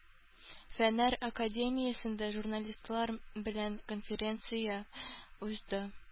Фәннәр академиясендә журналистлар белән конференция узды.